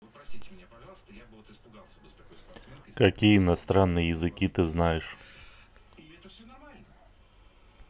какие иностранные языки ты знаешь